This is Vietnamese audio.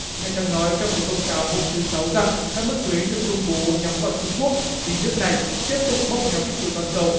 nhà trắng nói trong một thông cáo hôm thứ sáu rằng các mức thuế được công bố nhắm vào trung quốc vì nước này tiếp tục bóp méo thị trường toàn cầu